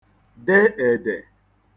de èdè